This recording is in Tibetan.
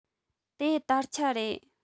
དེ དར ཆ རེད